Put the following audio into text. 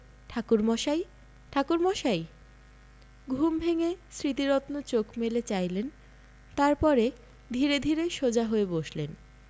ঠাকুরমশাই ঠাকুরমশাই ঘুম ভেঙ্গে স্মৃতিরত্ন চোখ মেলে চাইলেন তার পরে ধীরে ধীরে সোজা হয়ে বসলেন